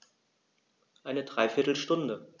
Eine dreiviertel Stunde